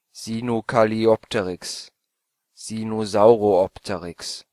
Sinocalliopteryx Sinosauropteryx